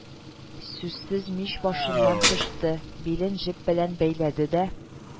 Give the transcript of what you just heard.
Сүзсез мич башыннан төште, билен җеп белән бәйләде дә: